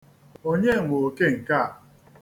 Onye nwe oke nke a?